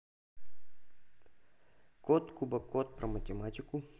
кот кубокот про математику